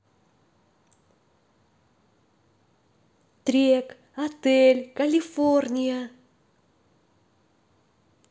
трек отель калифорния